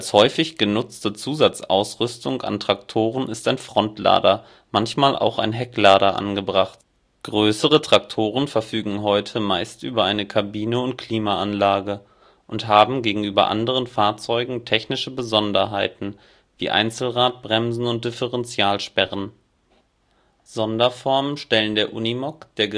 häufig genuzte Zusatzausrüstung an Traktoren ist ein Frontlader, manchmal auch ein Hecklader angebracht. Größere Traktoren verfügen heute meistens über eine Kabine und Klimaanlage und haben gegenüber anderen Fahrzeugen technische Besonderheiten wie Einzelradbremse und Differenzialsperren. Deutz-Fahr DX4.50 Sonderformen stellen der Unimog, der